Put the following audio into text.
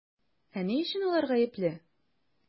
Ә ни өчен алар гаепле?